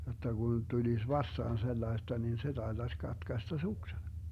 jotta kun tulisi vastaan sellaista niin se taitaisi katkaista suksen